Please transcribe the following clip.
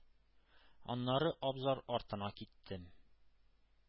Аннары абзар артына киттем.